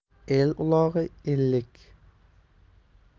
el ulog'i ellik